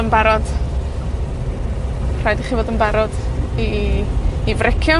yn barod. Rhaid i chi fod yn barod i, i frecio.